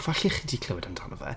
falle chi 'di clywed amdano fe...